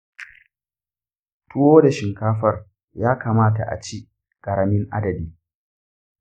tuwo da shinkafar ya kamata a ci ƙaramin adadi.